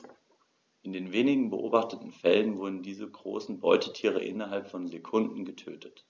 In den wenigen beobachteten Fällen wurden diese großen Beutetiere innerhalb von Sekunden getötet.